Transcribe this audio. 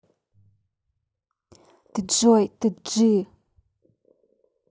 ты джой ты g